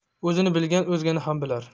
o'zini bilgan o'zgani ham bilar